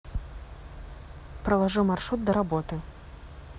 проложи маршрут до работы